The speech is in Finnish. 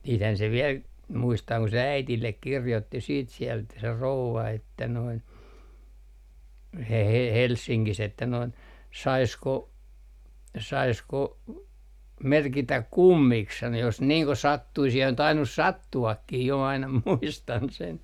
sittenhän se vielä muistaa kun äidille kirjoitti sitten sieltä se rouva että noin -- Helsingissä että noin saisiko saisiko merkitä kummiksi sanoi jos niin kuin sattuisi ja on tainnut sattuakin jo aina muistan sen